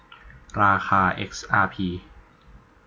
ราคาเอ็กอาร์พี